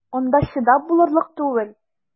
Анда чыдап булырлык түгел!